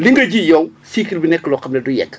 li nga ji yow cycle bi nekk loo xam ne du yegg